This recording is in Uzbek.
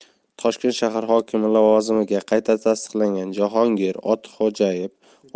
toshkent shahar hokimi lavozimiga qayta tasdiqlangan jahongir